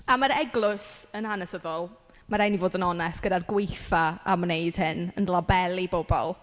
A mae'r Eglwys, yn hanesyddol, ma' raid i ni fod yn onest gyda'r gwaetha am wneud hyn yn labelu bobl.